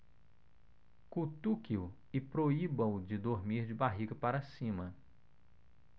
cutuque-o e proíba-o de dormir de barriga para cima